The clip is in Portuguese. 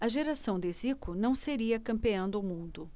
a geração de zico não seria campeã do mundo